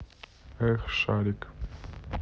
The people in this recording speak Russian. эх шарик